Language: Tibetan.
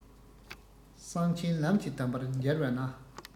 གསང ཆེན ལམ གྱི གདམས པར མཇལ བ ན